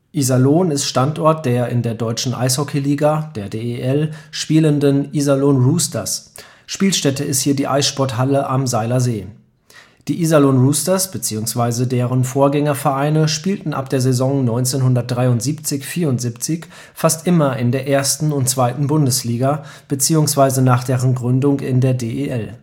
Iserlohn ist Standort der in der Deutschen Eishockey-Liga (DEL) spielenden Iserlohn Roosters, Spielstätte ist hier die Eissporthalle am Seilersee. Die Iserlohn Roosters bzw. deren Vorgängervereine spielten ab der Saison 1973 / 74 fast immer in der 1. und 2. Bundesliga bzw. nach deren Gründung in der DEL